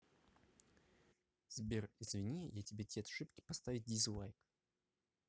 сбер извини я тебе это ошибки поставить дизлайк